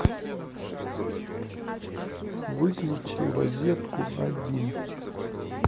выключи розетку один